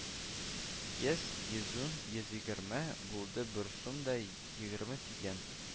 Йөз, йөз ун, йөз егерме, булды бер сум да егерме тиен